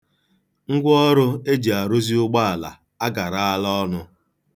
Ngwaọrụ e ji arụzi ụgbọala agaraala ọnụ.